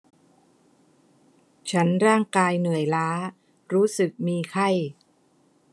ฉันร่างกายเหนื่อยล้ารู้สึกมีไข้